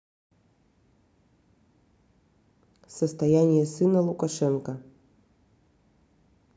состояние сына лукашенко